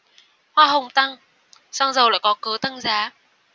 hoa hồng tăng xăng dầu lại có cớ tăng giá